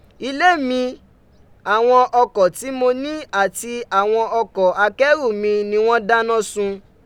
Ilé mi, awọn ọkọ̀ ti mo ni ati awọn ọkọ̀ akẹ́rù mi ni wọn dáná sun.